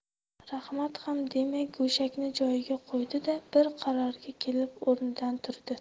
rahmat ham demay go'shakni joyiga qo'ydi da bir qarorga kelib o'rnidan turdi